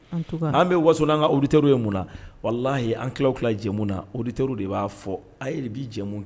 En tout cas An bɛ waso nan ka auditeurs ye mun na walayie an kila wo kila jɛmu kan na auditeurs de ba fɔ a ye bi jɛmu